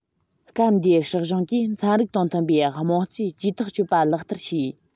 སྐབས འདིའི སྲིད གཞུང གིས ཚན རིག དང མཐུན པའི དམངས གཙོས ཇུས ཐག གཅོད པ ལག བསྟར བྱས